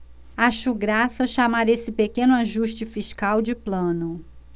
acho graça chamar esse pequeno ajuste fiscal de plano